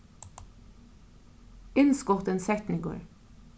innskotin setningur